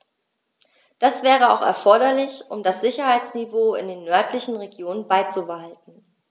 Das wäre auch erforderlich, um das Sicherheitsniveau in den nördlichen Regionen beizubehalten.